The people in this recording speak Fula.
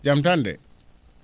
jam tan de